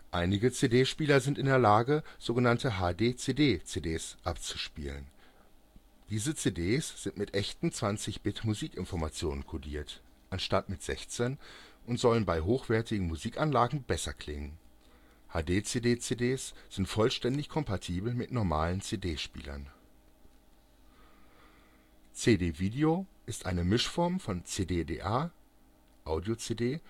Einige CD-Spieler sind in der Lage, so genannte HDCD-CDs abzuspielen. Diese CDs sind mit echten 20 Bit Musik-Information kodiert (anstatt mit 16) und sollen bei hochwertigen Musik-Anlagen besser klingen. HDCD-CDs sind vollständig kompatibel mit „ normalen “CD-Spielern. CD Video ist eine Mischform von CD-DA (Audio-CD